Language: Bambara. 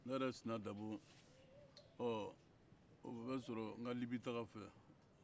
ne yɛrɛ sina dabo ɔ o bɛɛ bɛ sɔrɔ n ka libi taa fɛ